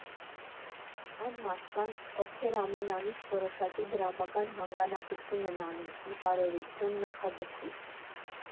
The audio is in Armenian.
Այն մարդկանց, ովքեր ամեն ամիս որոշակի դրամական հանգանակություն են անում՝ ի բարօրություն նախագծի։